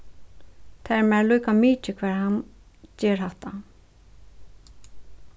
tað er mær líka mikið hvar hann ger hatta